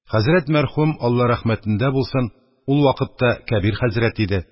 Хәзрәт мәрхүм, алла рәхмәтендә булсын, ул вакытта кәбир хәзрәт иде.